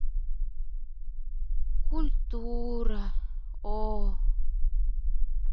культура ооо